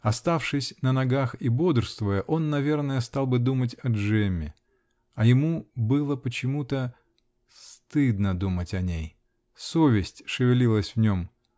Оставшись на ногах и бодрствуя, он наверное стал бы думать о Джемме -- а ему было почему-то. стыдно думать о ней. Совесть шевелилась в нем.